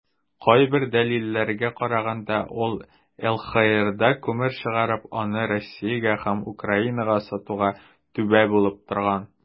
Кайбер дәлилләргә караганда, ул ЛХРда күмер чыгарып, аны Россиягә һәм Украинага сатуга "түбә" булып торган.